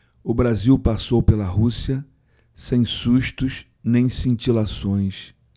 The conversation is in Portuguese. o brasil passou pela rússia sem sustos nem cintilações